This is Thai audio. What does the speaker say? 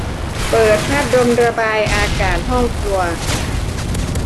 เปิดพัดลมระบายอากาศห้องครัว